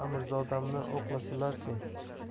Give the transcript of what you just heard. amirzodamni o'qlasalar chi